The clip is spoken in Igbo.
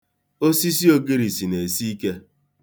Osisi ogirisi na-esi ike.